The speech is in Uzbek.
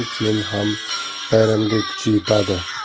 keyin ham bayramga kuchi yetadi